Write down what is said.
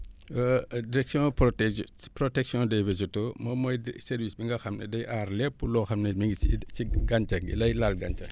direction protège protection des végétaux moom mooy service bi nga xam ne day aar lépp loo xam ne mi ngi si si gàncax gi lay laal gàncax gi